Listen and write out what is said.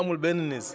amul benn niis